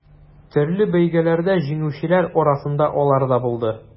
Төрле бәйгеләрдә җиңүчеләр арасында алар да булды.